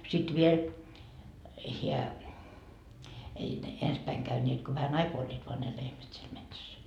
sitten vielä hän ei ne ensin päin käyneet kun vähän aikaa olivat vain ne lehmät siellä metsässä